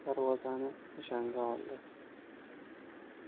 to'g'ri darvozani nishonga oldi